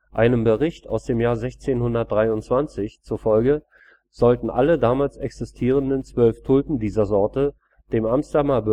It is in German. Einem Bericht aus dem Jahr 1623 zufolge sollten alle damals existierenden zwölf Tulpen dieser Sorte dem Amsterdamer